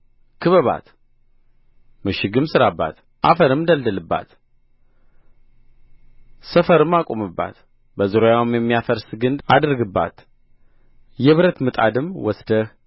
ክበባት ምሽግም ሥራባት አፈርም ደልድልባት ሰፈርም አቁምባት በዙሪያዋም የሚያፈርስ ግንድ አድርግባት የብረት ምጣድም ወስደህ